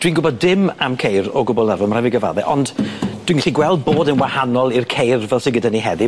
Dwi'n gwbod dim am ceir o gwbwl arfer ma' rhaid fi gyfadde ond dwi'n gallu gweld bod o'n wahanol i'r ceir fel sy' gyda ni heddi.